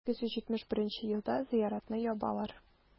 1871 елда зыяратны ябалар.